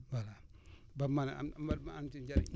voilà ba mën a am ba ma am ci njëriñ